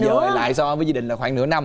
dời lại so với gia đình là khoảng nửa năm